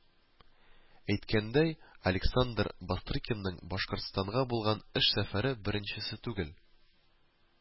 Әйткәндәй, Александр Бастрыкинның Башкортстанга булган эш сәфәре беренчесе түгел